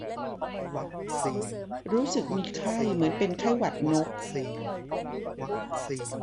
รู้สึกมีไข้เหมือนเป็นไข้หวัดนก